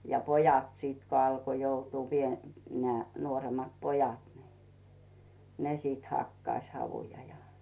ja pojat sitten kun alkoi joutua - nämä nuoremmat pojat niin ne sitten hakkasi havuja ja